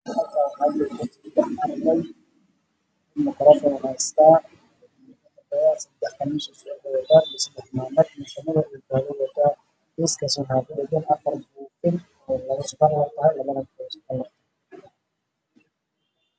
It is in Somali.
Waa wiilal wataan khamiista cadaan oo mukarafan gacanta ku hayo madow ah koofiya cadan qabaan